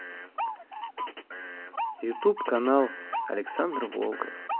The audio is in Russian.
ютуб канал александр волков